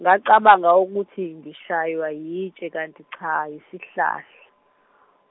ngacabanga ukuthi ngishaywa yitshe kanti cha yisihlahla .